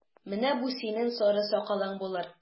Менә бу синең сары сакалың булыр!